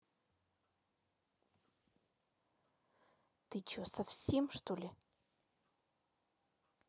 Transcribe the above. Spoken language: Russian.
ты че совсем чтоли